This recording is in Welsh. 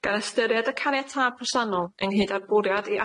Ga ystyried y caniatâd presennol ynghyd â'r bwriad i